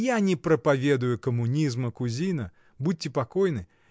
— Я не проповедую коммунизма, кузина, будьте покойны.